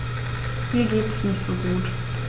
Mir geht es nicht gut.